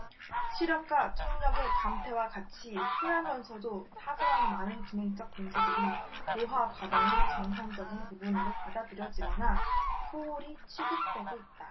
시력과 청력의 감퇴와 같이 흔하면서도 사소한 많은 기능적 문제들이 노화 과정의 정상적인 부분으로 받아들여지거나 소홀히 취급되고 있다